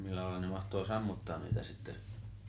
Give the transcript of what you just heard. millä lailla ne mahtoi sammuttaa niitä sitten